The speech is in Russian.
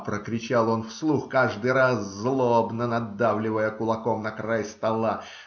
- прокричал он вслух, каждый раз злобно надавливая кулаком на край стола